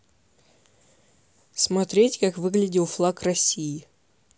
смотреть как выглядел флаг россии